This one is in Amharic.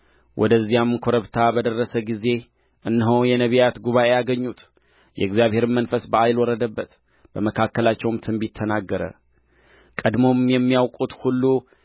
ወደዚያም ኮረብታ በደረሰ ጊዜ እነሆ የነቢያት ጉባኤ አገኙት የእግዚአብሔርም መንፈስ በኃይል ወረደበት በመካከላቸውም ትንቢት ተናገረ ቀድሞም የሚያውቁት ሁሉ